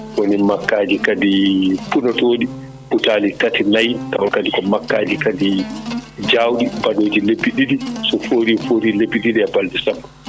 koni makkaji kadi puɗotoɗi butaali tati nayyi tawa kadi ko makkaji kadi jaawɗi baɗoji lebbi ɗiɗi so fori fori lebbi ɗiɗi e balɗe sappo